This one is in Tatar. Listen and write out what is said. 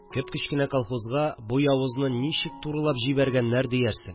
Кеп-кечкенә колхозга бу явызны ничек турылап җибәргәннәр, диярсең